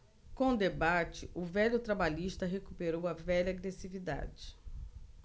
com o debate o velho trabalhista recuperou a velha agressividade